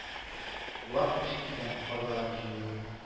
Вак эш икән карлыган җыюы